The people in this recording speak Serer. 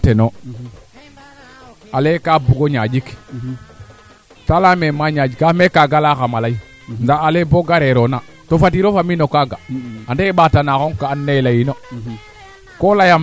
a war'a waago ñak no xalates xar fo xar refu jafe jafe nuun te ref kee ando naye kan njegano yo to xayna a waago ñak yee ando naye nu ndeeta meteo ne waritna surtout no jamano feeke i ndefna ando naye changement climatique fee kaa gariid